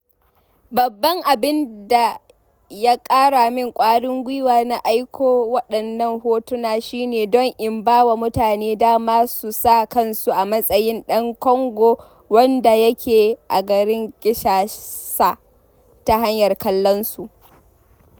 Babban abin da ya ƙaramin kwarin gwiwa na aiko waɗannan hotuna shine don in bawa mutane dama su sa kansu a matsayin ɗan Kongo, wanda yake a garin Kinshasa, ta hanyar kallonsu.